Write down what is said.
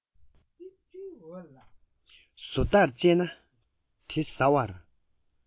བཟོ ལྟར དཔྱད ན དེ ཟ བར